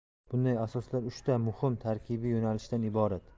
bunday asoslar uchta muhim tarkibiy yo'nalishdan iborat